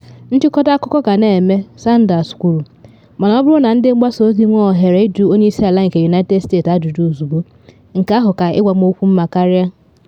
Nchịkọta akụkọ ga na eme, Sanders kwuru, mana “ọ bụrụ na ndị mgbasa ozi nwee ohere ịjụ onye isi ala nke United States ajụjụ ozugbo, nke ahụ ka ịgwa m okwu mma karịa.